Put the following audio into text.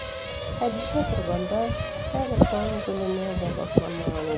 Хәдичә торганда, әле таң беленә дә башламаган иде.